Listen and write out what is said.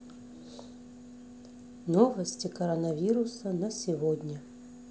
новости коронавируса за сегодня